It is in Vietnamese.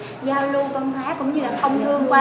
giao lưu văn hóa cũng như là thông